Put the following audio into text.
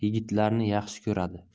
yigitlarni yaxshi ko'radi